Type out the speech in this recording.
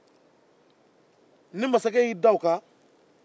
ni masakɛ y'i da o kan